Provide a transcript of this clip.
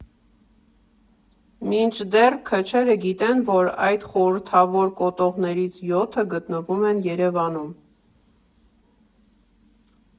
Մինչդեռ քչերը գիտեն, որ այդ խորհրդավոր կոթողներից յոթը գտնվում են Երևանում։